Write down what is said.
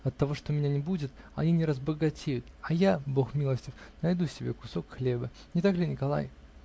Оттого, что меня не будет, они не разбогатеют, а я, Бог милостив, найду себе кусок хлеба. не так ли, Николай?